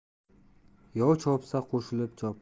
yolg'iz aql o'zi yaxshi ikki bo'lsa yana yaxshi